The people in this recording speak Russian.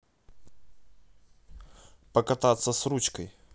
покататься с ручкой